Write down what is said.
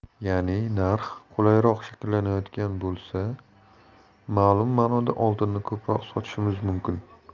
ya'ni narx qulayroq shakllanayotgan bo'lsa ma'lum ma'noda oltinni ko'proq sotishimiz mumkin